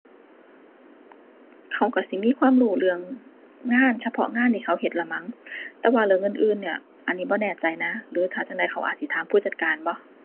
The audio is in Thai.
เขาก็สิมีความรู้เรื่องงานเฉพาะงานที่เขาเฮ็ดละมั้ง แต่ว่าเรื่องอื่นอื่นเนี่ย อันนี้บ่แน่ใจนะ หรือถ้าจั่งใดเขาอาจสิถามผู้จัดการบ่